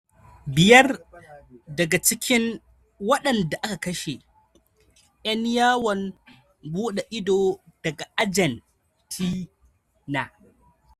Biyar daga cikin waɗanda aka kashe 'yan yawon bude ido daga Argentina